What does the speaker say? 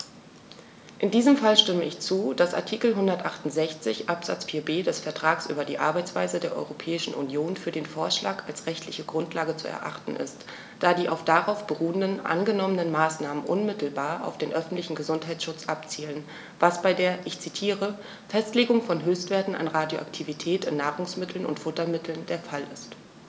In diesem Fall stimme ich zu, dass Artikel 168 Absatz 4b des Vertrags über die Arbeitsweise der Europäischen Union für den Vorschlag als rechtliche Grundlage zu erachten ist, da die auf darauf beruhenden angenommenen Maßnahmen unmittelbar auf den öffentlichen Gesundheitsschutz abzielen, was bei der - ich zitiere - "Festlegung von Höchstwerten an Radioaktivität in Nahrungsmitteln und Futtermitteln" der Fall ist.